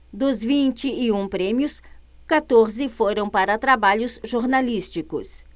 dos vinte e um prêmios quatorze foram para trabalhos jornalísticos